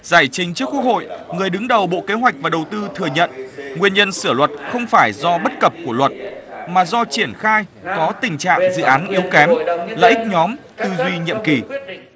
giải trình trước quốc hội người đứng đầu bộ kế hoạch và đầu tư thừa nhận nguyên nhân sửa luật không phải do bất cập của luật mà do triển khai có tình trạng dự án yếu kém lợi ích nhóm tư duy nhiệm kỳ